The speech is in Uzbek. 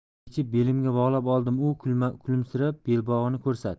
yechib belimga bog'lab oldim u kulimsirab belbog'ni ko'rsatdi